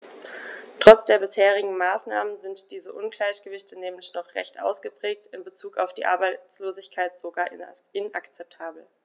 Trotz der bisherigen Maßnahmen sind diese Ungleichgewichte nämlich noch recht ausgeprägt, in bezug auf die Arbeitslosigkeit sogar inakzeptabel.